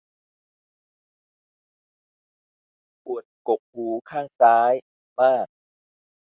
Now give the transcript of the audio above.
ปวดกกหูข้างซ้ายมาก